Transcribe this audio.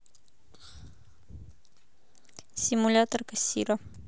симулятор кассира